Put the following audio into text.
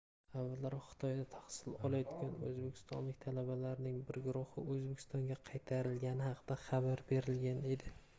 avvalroq xitoyda tahsil olayotgan o'zbekistonlik talabalarning bir guruhi o'zbekistonga qaytarilgani haqida xabar berilgan edi